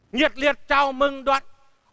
nhiệt liệt chào mừng đoàn